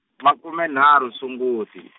makume nharhu Sunguti.